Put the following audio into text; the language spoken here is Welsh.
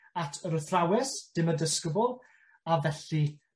at yr athrawes dim y disgybl, a felly